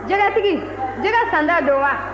jɛgɛtigi jɛgɛ santa don wa